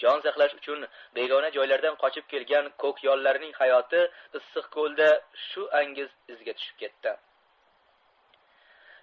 jon saqlash uchun begona joylardan qochib kelgan ko'kyollarning hayoti issiqko'lda shu angiz izga tushib ketdi